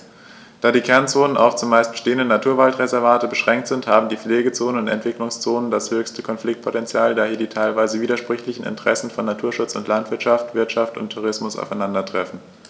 Da die Kernzonen auf – zumeist bestehende – Naturwaldreservate beschränkt sind, haben die Pflegezonen und Entwicklungszonen das höchste Konfliktpotential, da hier die teilweise widersprüchlichen Interessen von Naturschutz und Landwirtschaft, Wirtschaft und Tourismus aufeinandertreffen.